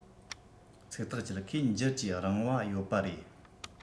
ཚིག ཐག བཅད ཁོས འགྱུར གྱིས རིང བ ཡོད པ རེད